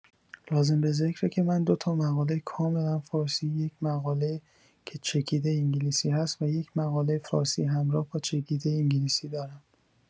لازم به ذکره که من دو تا مقاله کاملا فارسی، یک مقاله که چکیده انگلیسی هست و یک مقاله فارسی همراه با چکیده انگلیسی دارم.